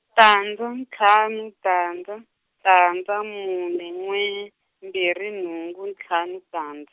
tandza ntlhanu tandza tandza mune n'we mbirhi nhungu ntlhanu tandz-.